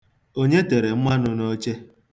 Onye tere mmanụ n'oche?